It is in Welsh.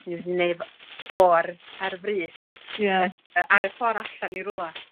Ni myn' i neu' fy- fo ar ar frys. Ie. Ne' a- ar y ffor allan i rwla.